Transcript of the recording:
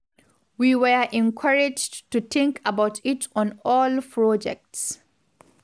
“We were encouraged to think about it on all projects.